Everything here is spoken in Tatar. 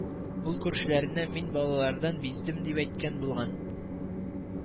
Ул күршеләренә Мин балалардан биздем дип тә әйткән булган